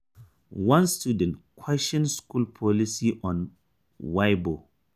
One student questioned school policy on Weibo: